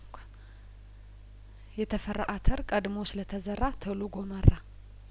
የተፈራ አተር ቀድሞ ስለተዘራ ቶሎ ጐመራ